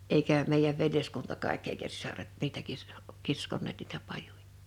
eikä meidän veljeskunta kaikki eikä sisaret niitä - kiskoneet niitä pajuja